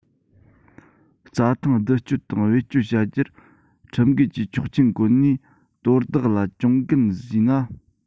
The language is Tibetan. རྩྭ ཐང བསྡུ སྤྱོད དང བེད སྤྱོད བྱ རྒྱུར ཁྲིམས འགལ གྱིས ཆོག མཆན བཀོད ནས དོ བདག ལ གྱོང གུན བཟོས ན